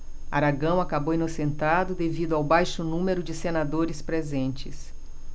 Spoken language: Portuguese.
aragão acabou inocentado devido ao baixo número de senadores presentes